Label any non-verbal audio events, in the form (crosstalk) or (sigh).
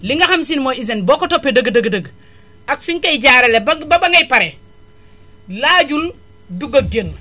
li nga xam si ne mooy hygène boo ko toppee dëgg dëgg dëgg ak fi ñuy kay jaaralee ba ba ngay pare laajul dugg (noise) ak génn